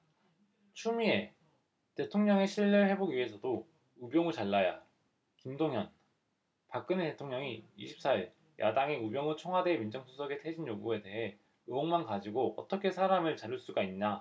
추미애 대통령에 신뢰 회복위해서도 우병우 잘라야김동현 박근혜 대통령이 이십 사 일 야당의 우병우 청와대 민정수석의 퇴진요구에 대해 의혹만 가지고 어떻게 사람을 자를 수가 있나